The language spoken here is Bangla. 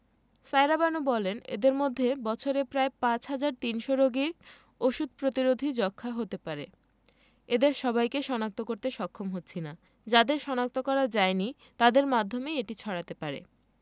সায়েরা বানু বলেন এদের মধ্যে বছরে প্রায় ৫ হাজার ৩০০ রোগীর ওষুধ প্রতিরোধী যক্ষ্মা হতে পারে এদের সবাইকে শনাক্ত করতে সক্ষম হচ্ছি না যাদের শনাক্ত করা যায়নি তাদের মাধ্যমেই এটি ছড়াতে পারে